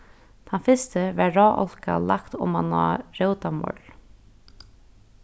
tann fyrsti var rá álka lagt oman á rótamorl